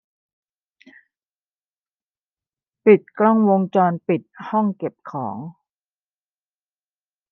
ปิดกล้องวงจรปิดห้องเก็บของ